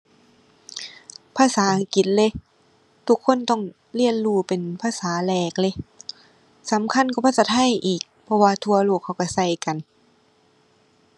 ภาษาอังกฤษเลย ทุกคนต้องเรียนรู้เป็นภาษาแรกเลย สำคัญกว่าภาษาไทยอีก เพราะว่าทั่วโลกเขาก็ก็กัน